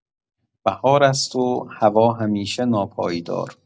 بهار است و هوا همیشه ناپایدار!